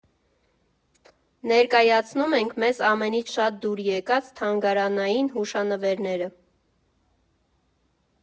Ներկայացնում ենք մեզ ամենից շատ դուր եկած թանգարանային հուշանվերները։